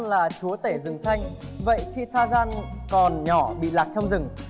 là chúa tể rừng xanh vậy khi tha dăng còn nhỏ bị lạc trong rừng